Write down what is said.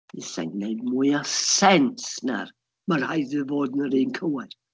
Mi fasai'n wneud mwy o sens na'r, "ma' rhaid iddo fo fod yn yr un cywair.